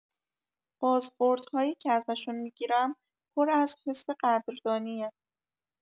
بازخوردهایی که ازشون می‌گیرم پر از حس قدردانیه.